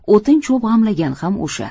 o'tin cho'p g'amlagan ham o'sha